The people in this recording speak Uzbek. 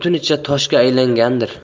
butunicha toshga aylangandir